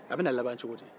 a bɛna laban cogo di